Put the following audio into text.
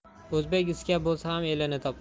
o'zbek iskab bo'lsa ham elini topar